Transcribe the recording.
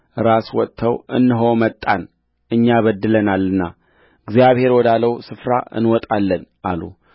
ራስ መጥተው እነሆ መጣን እኛ በድለናልና እግዚአብሔር ወዳለው ስፍራ እንወጣለን አሉ